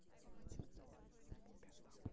по пятам